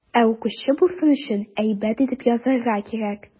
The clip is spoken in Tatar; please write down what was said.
Ә укучы булсын өчен, әйбәт итеп язарга кирәк.